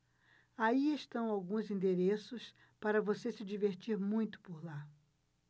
aí estão alguns endereços para você se divertir muito por lá